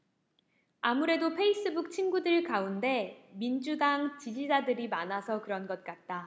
아무래도 페이스북 친구들 가운데 민주당 지지자들이 많아서 그런 것 같다